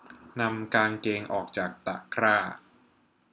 นำกางเกงออกจากตะกร้า